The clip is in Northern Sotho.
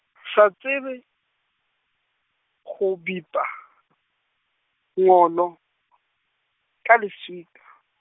sa tsebe, go bipa, ngolo, ka leswika.